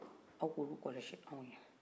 a k'ulu kɔlɔsi anw ye